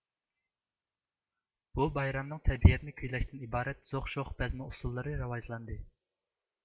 بۇ بايرامنىڭ تەبىئەتنى كۈيلەشتىن ئىبارەت زوخ شوخ بەزمە ئۇسسۇللىرى راۋاجلاندى